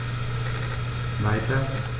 Weiter.